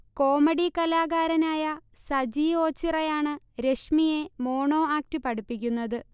comedy കലാകാരനായ സജി ഓച്ചിറയാണ് രശ്മിയെ മോണോ ആക്ട് പഠിപ്പിക്കുന്നത്